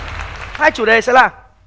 hai chủ đề sẽ là